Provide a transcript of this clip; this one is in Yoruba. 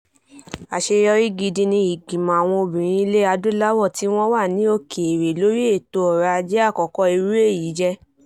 Àṣeyọrí gidi ni Ìgbìmọ̀ àwọn obìnrin ilẹ̀ Adúláwọ̀ tí wọ́n wà ní Òkèèrè lórí Ètò ọrọ̀-ajé àkọ́kọ́ irú ẹ̀ yìí jẹ́.